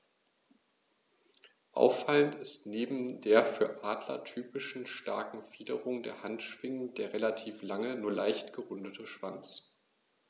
Auffallend ist neben der für Adler typischen starken Fingerung der Handschwingen der relativ lange, nur leicht gerundete Schwanz.